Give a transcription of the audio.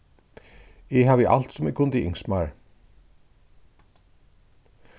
eg havi alt sum eg kundi ynskt mær